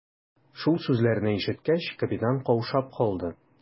Шул сүзләрне ишеткәч, капитан каушап калды.